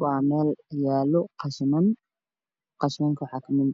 Waa meel yaalo qashiman alwaaxyo farabadan wax guduudan